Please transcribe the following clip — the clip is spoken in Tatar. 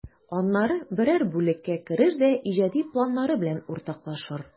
Аннары берәр бүлеккә керер дә иҗади планнары белән уртаклашыр.